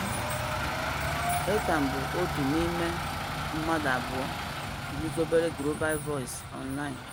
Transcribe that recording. Ethan bụ otu n'ime mmadụ abụọ guzobere Global Voices Online